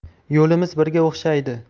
yo'limiz birga o'xshaydi